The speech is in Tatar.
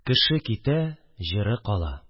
Кеше китә – җыры кала